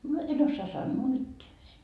no et osaa sanoa mitään